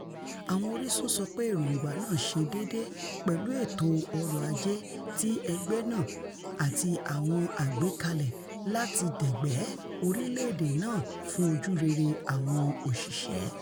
Àwọn orísún sọ pé èròǹgbà náà 'ṣe déédé' pẹ̀lú ètò ọ̀rọ̀-ajé ti ẹgbẹ́ náà àti àwọn àgbékalẹ̀ láti dẹ̀gbẹ́ orílẹ̀-èdè náà fún ojú rere àwọn òṣìṣẹ́.